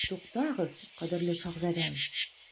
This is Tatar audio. Туктагыз, кадерле шаһзадәм.